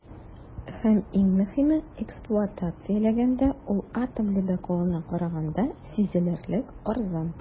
Һәм, иң мөһиме, эксплуатацияләгәндә ул атом ледоколына караганда сизелерлек арзан.